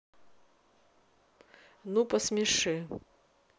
ну посмеши